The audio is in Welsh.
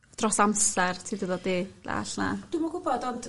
dros amser ti 'di ddod i ddall' 'na? Dwi'm yn gwbod ond